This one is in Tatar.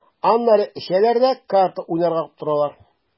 Аннары эчәләр дә карта уйнарга тотыналар.